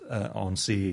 yy on sea.